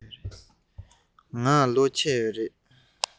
ང ལོ ཆེ བ ཡོད ཀྱི རེད